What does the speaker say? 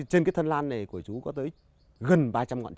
trên cái thân lan này của chú có tới gần ba trăm ngọn